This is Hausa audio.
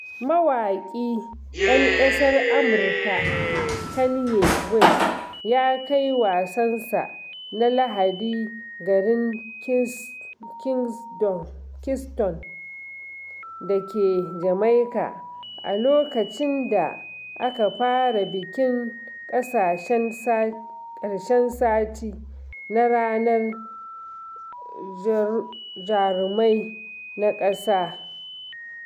Mawaƙi ɗan ƙasar Amurka Kanye West ya kai "Wasansa na Lahadi" garin Kingston da ke Jamaika a lokacin da aka fara bikin ƙarshen sati na Ranar Jarumai ta ƙasa. (Oktoba 19-21, 2019).